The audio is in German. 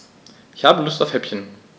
Ich habe Lust auf Häppchen.